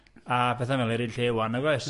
A petha fela run lle ŵan, nag oes?